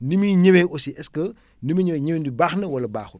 ni muy ñëwee aussi est que ni muy ñëwee ñëwin bi baax na wala baaxul